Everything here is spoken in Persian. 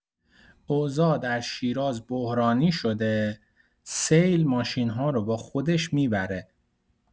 اوضاع در شیراز بحرانی شده، سیل ماشین‌ها رو با خودش می‌بره!